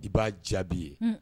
I b'a jaabi ye